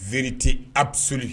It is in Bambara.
Z tɛ a